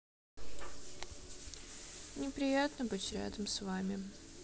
неприятно быть рядом с вами